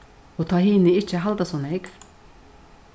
og tá hini ikki halda so nógv